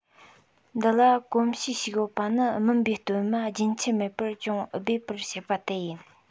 འདི ལ གོམས གཤིས ཤིག ཡོད པ ནི མིད པའི སྟོད མ རྒྱུན ཆད མེད པར ཅུང སྦོས པར བྱེད པ དེ ཡིན